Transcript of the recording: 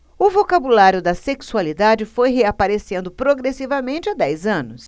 o vocabulário da sexualidade foi reaparecendo progressivamente há dez anos